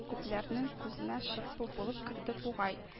Күпләрнең күзенә шырпы булып керде бугай